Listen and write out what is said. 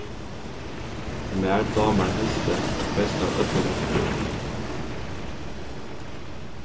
mær dámar heystið best av øllum árstíðum